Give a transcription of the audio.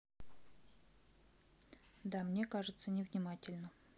да мне кажется невнимательно